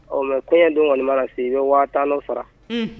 O mais kɔɲɔn don kɔni mana f'u ye i bɛ waa 10 de sara